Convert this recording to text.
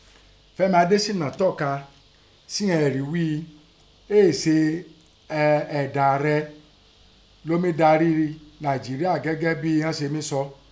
Fẹ́mi Adéṣínà tọ́ka síghọn ẹ̀rí wí i éè se ẹ̀dà ààrẹ lọ́ mí darí Nàíeíríà gẹ́gẹ́ bí ghọ́n se mí sọ́.